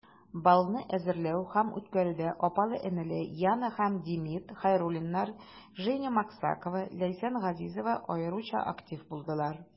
Балны әзерләү һәм үткәрүдә апалы-энеле Яна һәм Демид Хәйруллиннар, Женя Максакова, Ләйсән Газизова аеруча актив булдылар.